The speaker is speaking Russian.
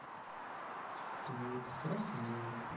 клуб просвет